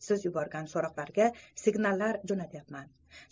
siz yuborgan so'roqlarga signallar jo'natyapman